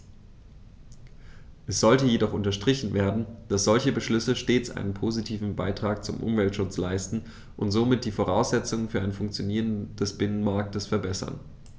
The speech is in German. Es sollte jedoch unterstrichen werden, dass solche Beschlüsse stets einen positiven Beitrag zum Umweltschutz leisten und somit die Voraussetzungen für ein Funktionieren des Binnenmarktes verbessern.